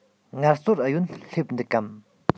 ངལ རྩོལ ཨུ ཡོན སླེབས འདུག གམ